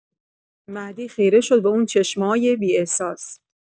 مهدی خیره شد به اون چشم‌های بی‌احساس.